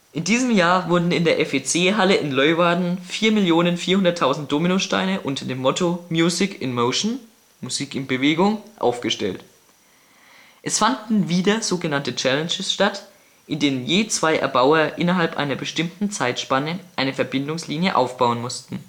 In diesem Jahr wurden in der FEC-Halle in Leeuwarden 4.400.000 Dominosteine unter dem Motto „ Music in Motion “(Musik in Bewegung) aufgestellt. Es fanden wieder sogenannte Challenges statt, in denen je zwei Erbauer innerhalb einer bestimmten Zeitspanne eine Verbindungslinie aufbauen mussten